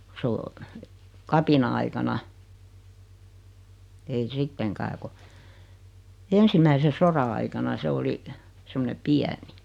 kun se on kapina-aikana ei sittenkään kun ensimmäisen sodan aikana se oli semmoinen pieni